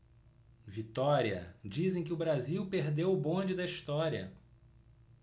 vitória dizem que o brasil perdeu o bonde da história